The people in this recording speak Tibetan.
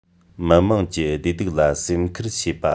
མི དམངས ཀྱི བདེ སྡུག ལ སེམས ཁུར བྱེད པ